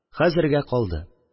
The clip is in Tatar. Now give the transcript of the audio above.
Хәзергә калды.